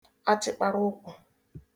achịkpara ụkwụ